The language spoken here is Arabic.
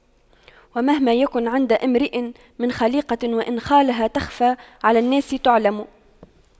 ومهما يكن عند امرئ من خَليقَةٍ وإن خالها تَخْفَى على الناس تُعْلَمِ